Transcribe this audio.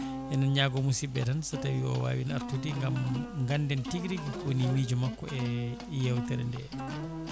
enen ñaago musibɓe tan so tawi o wawino artude gaam ganden tigui rigui ko woni miijo makko e yewtere nde